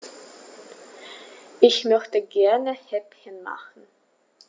Ich möchte gerne Häppchen machen.